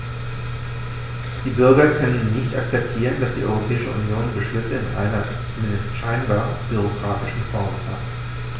Die Bürger können nicht akzeptieren, dass die Europäische Union Beschlüsse in einer, zumindest scheinbar, bürokratischen Form faßt.